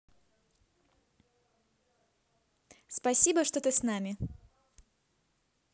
спасибо что ты с нами